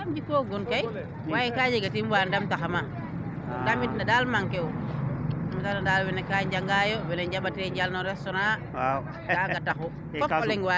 kam jik woogun kay waaye kaa jega tiim waa ndamta xama ndamit ne daal manquer u i ngara nga wene kaa njangayo wene njambate njal no restaurant kaaga taxu fop o leŊ waagi ran